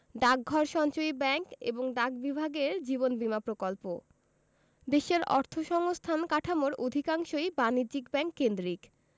ডাকঘর সঞ্চয়ী ব্যাংক এবং ডাক বিভাগের জীবন বীমা প্রকল্প দেশের অর্থসংস্থান কাঠামোর অধিকাংশই বাণিজ্যিক ব্যাংক কেন্দ্রিক